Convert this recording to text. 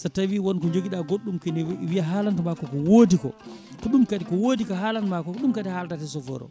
so tawi wonko joguiɗa goɗɗum kene wiiya halantuma ko ko woodi ko ko ɗum kadi ko woodi ko ko haalanma ko ko ɗum kadi haldata e chauffeur o